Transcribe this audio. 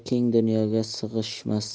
keng dunyoga siyg'ishmas